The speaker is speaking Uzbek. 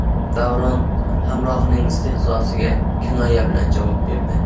davron hamrohining istehzosiga kinoya bilan javob berdi